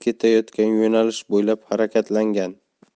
ketayotgan yo'nalish bo'ylab harakatlangan